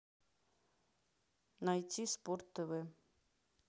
найти спорт тв